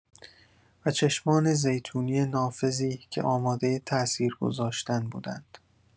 و چشمان زیتونی نافذی که آماده تاثیر گذاشتن بودند.